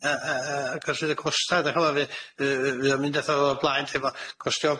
yy yy yy achos fydd y costa', dach ch'mod fydd fydd fy- fydd o'n mynd fatha o'r blaen lle ma'n costio